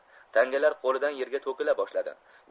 tangalar qo'lidan yerga to'kila boshladi